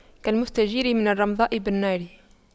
كالمستجير من الرمضاء بالنار